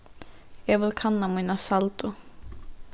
eg vil kanna mína saldu